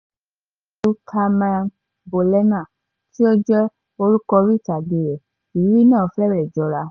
Pẹ̀lú Carmen Bolena, tí ó jẹ́ orúkọ orí ìtàgé rẹ̀, ìrírí náà fẹ́rẹ̀ jọra.